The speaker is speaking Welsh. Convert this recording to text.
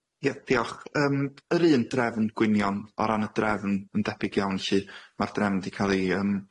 Ia, diolch. Yym yr un drefn gwynion. O ran y drefn, yn debyg iawn lly, ma'r drefn 'di ca'l ei yym